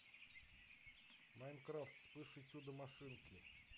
майнкрафт вспыш и чудо машинки